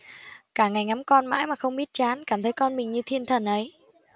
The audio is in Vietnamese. cả ngày ngắm con mãi mà không biết chán cảm thấy con mình như thiên thần ấy